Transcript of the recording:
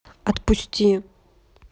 отпусти